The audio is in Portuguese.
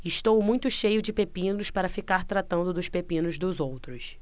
estou muito cheio de pepinos para ficar tratando dos pepinos dos outros